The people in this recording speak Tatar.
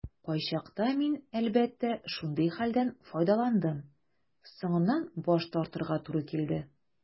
Кайчакта мин, әлбәттә, шундый хәлдән файдаландым - соңыннан баш тартырга туры килде.